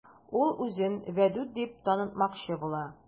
Ул үзен Вәдүт дип танытмакчы була.